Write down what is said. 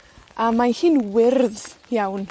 a mae hi'n wyrdd iawn.